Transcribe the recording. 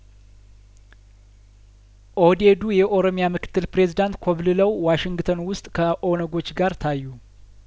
ኦህዴዱ የኦሮሚያ ምክትል ፕሬዚዳንት ኮብል ለው ዋሽንግተን ውስጥ ከኦነጐች ጋር ታዩ